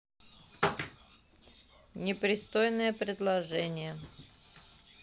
непристойное предложение